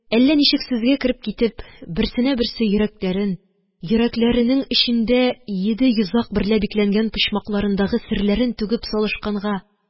Әллә ничек сүзгә кереп китеп, берсенә берсе йөрәкләрен, йөрәкләренең эчендә йиде йозак берлә бикләнгән почмакларындагы серләрен түгеп салышканга,